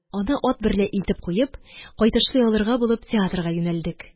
Аны ат берлә илтеп куеп, кайтышлый алырга булып, театрга юнәлдек.